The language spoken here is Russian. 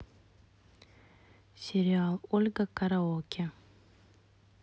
сериал ольга караоке